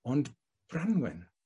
Ond Branwen?